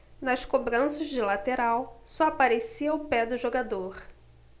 nas cobranças de lateral só aparecia o pé do jogador